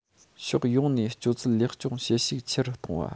ཕྱོགས ཡོངས ནས སྤྱོད ཚུལ ལེགས སྐྱོང བྱེད ཤུགས ཆེ རུ གཏོང བ